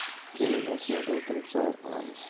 keling mashinada o'tirib sayr qilamiz